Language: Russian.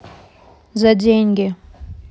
за деньги